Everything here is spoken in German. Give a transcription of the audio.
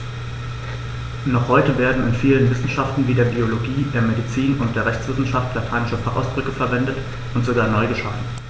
Noch heute werden in vielen Wissenschaften wie der Biologie, der Medizin und der Rechtswissenschaft lateinische Fachausdrücke verwendet und sogar neu geschaffen.